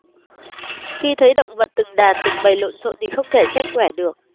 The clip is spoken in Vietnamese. khi thấy động vật từng đàn từng bầy lộn xộn thì không thể xem quẻ được